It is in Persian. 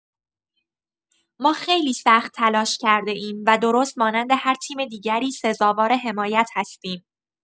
ما خیلی سخت تلاش کرده‌ایم و درست مانند هر تیم دیگری سزاوار حمایت هستیم.